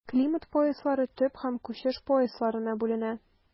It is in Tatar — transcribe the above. Климат пояслары төп һәм күчеш поясларына бүленә.